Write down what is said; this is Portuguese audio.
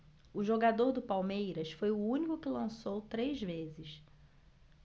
o jogador do palmeiras foi o único que lançou três vezes